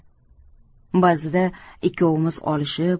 ba'zida ikkivomiz olishib